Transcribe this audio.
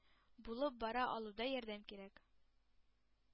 Булып бара алуда ярдәм кирәк